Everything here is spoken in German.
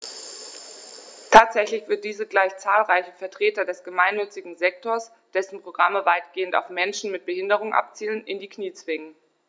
Tatsächlich wird dies gleich zahlreiche Vertreter des gemeinnützigen Sektors - dessen Programme weitgehend auf Menschen mit Behinderung abzielen - in die Knie zwingen.